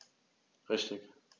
Richtig